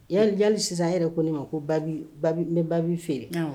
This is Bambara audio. Ya'lijali sisan yɛrɛ ko ne ma ko bɛ bapi feere